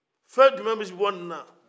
fɛn jumɛ bɛ se k'i bɔ ni na